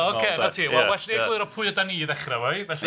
Ocê 'na ti, wel well i ni egluro pwy ydan ni i ddechrau efo hi, felly...